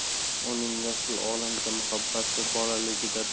uning yashil olamga muhabbati bolaligida